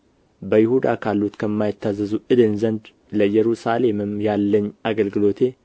በይሁዳ ካሉት ከማይታዘዙ እድን ዘንድ ለኢየሩሳሌምም ያለኝ አገልግሎቴ